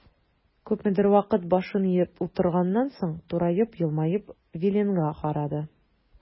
Күпмедер вакыт башын иеп утырганнан соң, тураеп, елмаеп Виленга карады.